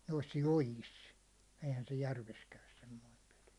noissa joissa eihän se järvessä käy semmoinen peli